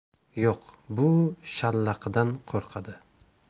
yo'q bu shallaqidan qo'rqadi